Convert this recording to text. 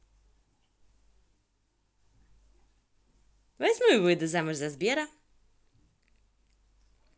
возьму и выйду замуж за сбера